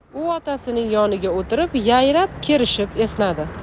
u otasining yoniga o'tirib yayrab kerishib esnadi